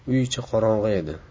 uy ichi qorong'i edi